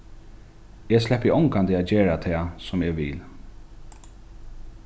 eg sleppi ongantíð at gera tað sum eg vil